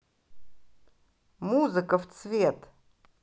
музыка в цвет